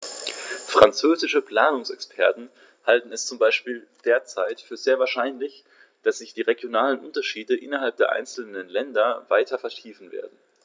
Französische Planungsexperten halten es zum Beispiel derzeit für sehr wahrscheinlich, dass sich die regionalen Unterschiede innerhalb der einzelnen Länder weiter vertiefen werden.